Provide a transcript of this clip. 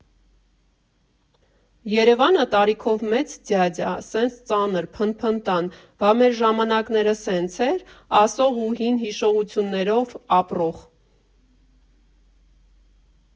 Երևանը տարիքով մեծ ձյաձ ա՝ սենց ծանր, փնթփնթան, «բա մեր ժամանակները սե՞նց էր» ասող ու հին հիշողություններով ապրող։